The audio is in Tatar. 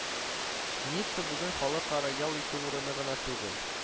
Ницца бүген халыкара ял итү урыны гына түгел